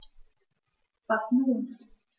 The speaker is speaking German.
Was nun?